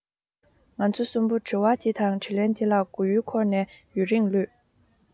ང ཚོ གསུམ པོ དྲི བ འདི དང དྲིས ལན འདི ལ མགོ ཡུ འཁོར ནས ཡུན རིང ལུས